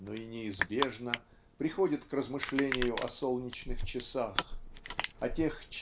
но и неизбежно приходит к размышлению о солнечных часах о тех